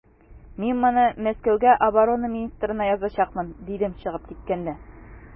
Мин моны Мәскәүгә оборона министрына язачакмын, дидем чыгып киткәндә.